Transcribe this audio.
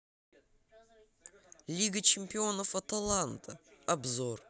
лига чемпионов аталанта обзор